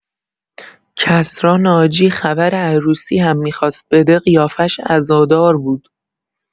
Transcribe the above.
کسری ناجی خبر عروسی هم می‌خواست بده قیافه‌ش عزادار بود.